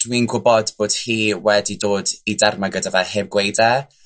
dwi'n gwbod bod hi wedi dod i derme gyda fe heb gweud e.